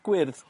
gwyrdd